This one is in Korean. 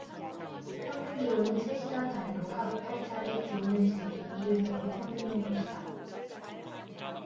평균기온은 세 시간 단위로 하루 팔 차례 기온을 잰 뒤 이를 더해 평균 낸 것이다